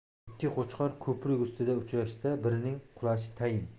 ikki qo'chqor ko'prik ustida uchrashsa birining qulashi tayin